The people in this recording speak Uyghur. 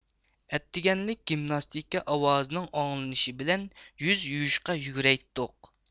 ئەتىگەنلىك گىمناستىكا ئاۋازىنىڭ ئاڭلىنىشى بىلەن يۈز يۇيۇشقا يۈگرەيتتۇق